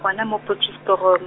gona mo Potchefstroom.